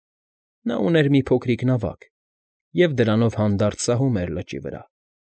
Նա ուներ մի փոքրիկ նավակ և դրանով հանդարտ սահում էր լճի վրա։